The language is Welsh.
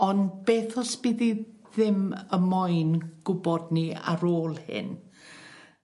Ond beth os bydd 'i ddim yy y' moyn gwbod ni ar ôl hyn?